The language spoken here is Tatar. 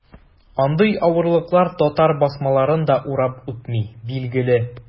Андый авырлыклар татар басмаларын да урап үтми, билгеле.